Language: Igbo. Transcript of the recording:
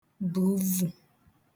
bù uvù